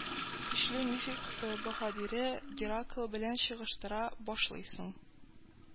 Көчле мифик баһадиры геракл белән чагыштыра башлыйсың